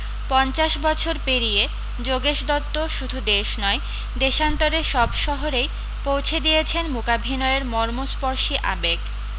পঞ্চাশ বছর পেরিয়ে যোগেশ দত্ত শুধু দেশ নয় দেশান্তরের সব শহরেই পৌঁছে দিয়েছেন মূকাভিনয়ের মর্মস্পর্শী আবেগ